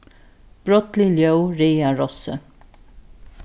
brádlig ljóð ræða rossið